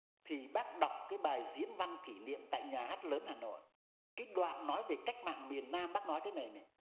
thì bác đọc cái bài diễn văn kỷ niệm tại nhà hát lớn hà nội kí đoạn nói về cách mạng miền nam bác nói thế này này